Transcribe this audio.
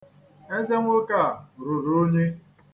Eze nwoke a ruru unyi.